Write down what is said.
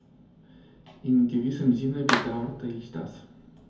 In gewissem Sinne bedauere ich das.